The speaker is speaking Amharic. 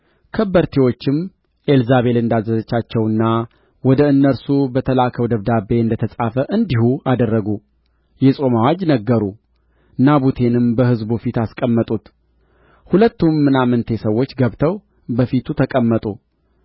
ከበርቴዎችም ኤልዛቤል እንዳዘዘቻቸውና ወደ እነርሱ በተላከው ደብዳቤ እንደ ተጻፈ እንዲሁ አደረጉ የጾም አዋጅ ነገሩ ናቡቴንም በሕዝቡ ፊት አስቀመጡት ሁለቱም ምናምንቴ ሰዎች ገብተው በፊቱ ተቀመጡ